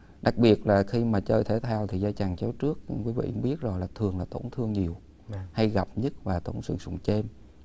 đặc biệt là khi mà chơi thể thao thì dây chằng chéo trước quý vị cũng biết rồi là thường là tổn thương nhiều hay gặp nhất và tổn thương sụn trên